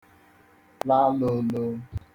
Lalolo